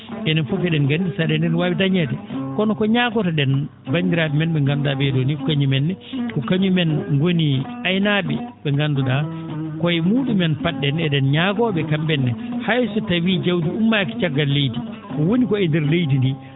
enen fof e?en nganndi ca?eede ene waawi dañeede kono ko ñaagoto?en banndiraa?e men ?e ngandu?aa ?ee ?oo ni ko kañumen ne ko kañumen ngoni aynaa?e ?e ngandu?aa koye muu?umen pad?en e?en ñagoo?e kam?e ne hay so tawii jawdi ummaaki caggal leydi ko woni ko e ndeer leydi ndii